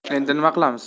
endi nima qilamiz